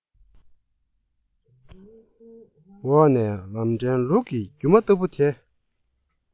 འོག ནས ལམ ཕྲན ལུག གི རྒྱུ མ ལྟ བུ དེ